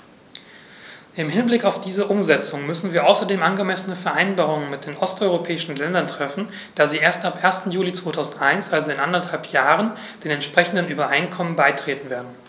Im Hinblick auf diese Umsetzung müssen wir außerdem angemessene Vereinbarungen mit den osteuropäischen Ländern treffen, da sie erst ab 1. Juli 2001, also in anderthalb Jahren, den entsprechenden Übereinkommen beitreten werden.